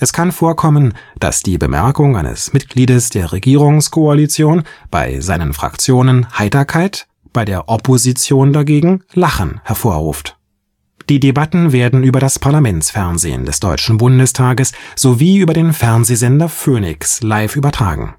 kann vorkommen, dass die Bemerkung eines Mitgliedes der Regierungskoalition bei seinen Fraktionen „ Heiterkeit “, bei der Opposition dagegen „ Lachen “hervorruft. Die Debatten werden über das Parlamentsfernsehen des Deutschen Bundestages sowie über den Fernsehsender Phoenix live übertragen